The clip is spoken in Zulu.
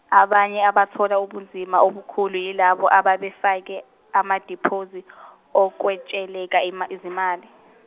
abanye abathola ubunzima obukhulu yilabo ababefake amadiphozi, okwetsheleka ima- izimali.